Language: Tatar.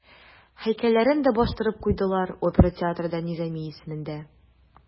Һәйкәлләрен дә бастырып куйдылар, опера театры да Низами исемендә.